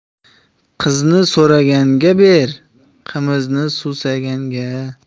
qizni so'raganga ber qimizni suvsaganga